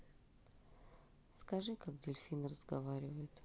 скажи как дельфины разговаривают